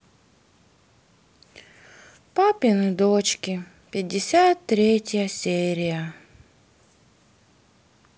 папины дочки пятьдесят третья серия